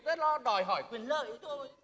đã lo đòi hỏi quyền lợi thôi